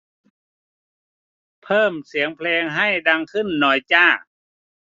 เพิ่มเสียงเพลงให้ดังขึ้นหน่อยจ้ะ